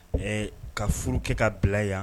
Ɛɛ ka furu kɛ ka bila yan